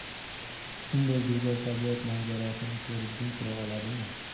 shunday go'zal tabiat manzarasini ko'rib jim tura oladimi